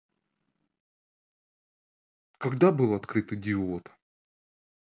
когда был открыт идиот